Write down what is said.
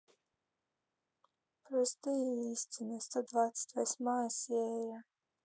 простые истины сто двадцать восьмая серия